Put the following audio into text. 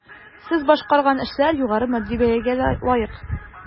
Сез башкарган эшләр югары матди бәягә лаек.